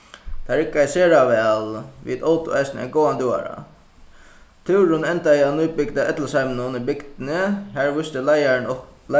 tað riggaði sera væl vit ótu eisini ein góðan døgurða túrurin endaði á nýbygda ellisheiminum í bygdini har vísti leiðarin